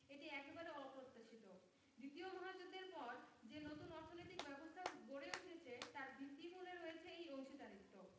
এটি একেবারে অপ্রত্যাশিত দ্বিতীয় মহাযুদ্ধের পর যে নতুন অর্থনৈতিক ব্যবস্থা গড়ে উঠেছে তার ভিত্তিমূলে রয়েছে এই অংশীদারত্ব